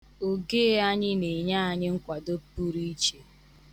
Ogee anyị na-enye anyị nkwado puru iche.